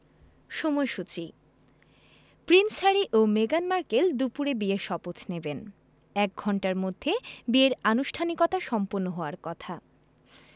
সময়সূচি prince Harry ও মেগান মার্কেল দুপুরে বিয়ের শপথ নেবেন এক ঘণ্টার মধ্যে বিয়ের আনুষ্ঠানিকতা সম্পন্ন হওয়ার কথা